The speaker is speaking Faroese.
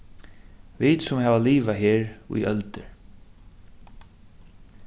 vit sum hava livað her í øldir